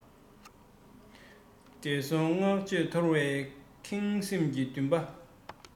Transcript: འདས སོང བསྔགས བརྗོད ཐོར བའི ཁེངས སེམས ཀྱི འདུན པ